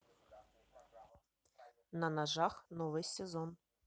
на ножах новый сезон